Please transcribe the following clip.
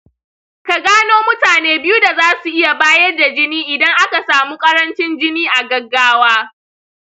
ka gano mutane biyu da za su iya bayar da jini idan aka samu ƙarancin jini a gaggawa.